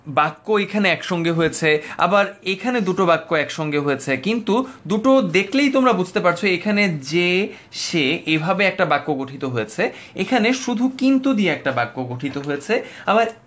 বাক্য এখানে একসঙ্গে হয়েছে আবার এখানে দুটো বাক্য একসঙ্গে হয়েছে কিন্তু দুটো দেখলেই তোমরা বুঝতে পারছ এখানে যে সে এভাবে একটা বাক্য গঠিত হয়েছে এখানে শুধু কিন্তু দিয়ে একটা বাক্য গঠিত হয়েছে আবার